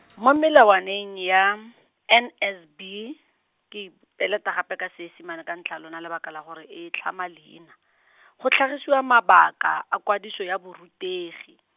mo melawaneng ya, N S B, ke e peleta gape ka Seesimane ka ntlha ya lona lebaka la gore e tlhama leina , go tlhagisiwa mabaka a kwadiso ya borutegi.